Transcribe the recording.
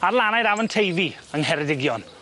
ar lanau'r Afon Teifi yng Ngheredigion.